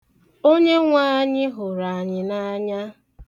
Onyenwe anyị hụrụ anyị n'anya.